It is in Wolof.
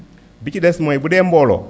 bi ci des mooy bu dee mbooloo